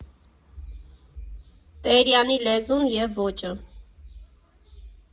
Տերյանի լեզուն և ոճը։